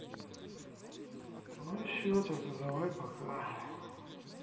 ну и все тогда давай пока